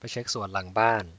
ไปเช็คสวนหลังบ้าน